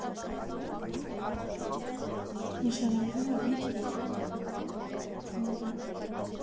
Նշանակում է մենք իրար ունենք. ֊ խմբ.